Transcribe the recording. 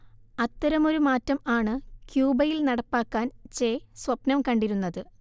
അത്തരമൊരു മാറ്റം ആണ് ക്യൂബയിൽ നടപ്പാക്കാൻ ചെ സ്വപ്നം കണ്ടിരുന്നത്